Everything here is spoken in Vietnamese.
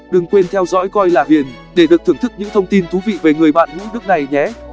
đừng quên theo dõi coi là ghiền để được thưởng thức những thông tin thú vị về người bạn ngũ đức này nhé